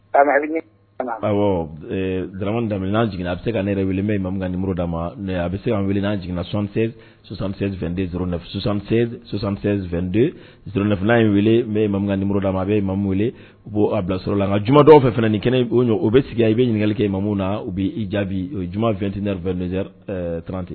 Daminɛ' jigin a bɛ se ka ne yɛrɛ weele mɛ ma d ma mɛ a bɛ se' weele n jiginna2den s22 z7fin in weeledama ma wele u bɔ a bilasɔrɔ la juma dɔw fɛ fana ni kɛnɛ o o bɛ sigi i bɛ ɲininkali kɛ i ma min na u bɛ' i jaabi o juma2tina2 tte